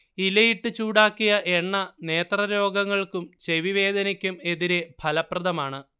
ഇലയിട്ട് ചൂടാക്കിയ എണ്ണ നേത്രരോഗങ്ങൾക്കും ചെവിവേദനയ്ക്കും എതിരെ ഫലപ്രദമാണ്